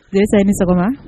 Ndeyisa i ni sɔgɔma!